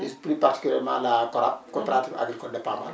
plus plus particulièrement la Corap coopérative agricole de Paamal